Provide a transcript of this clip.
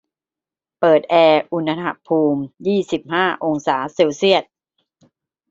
เปิดแอร์อุณหภูมิยี่สิบห้าองศาเซลเซียส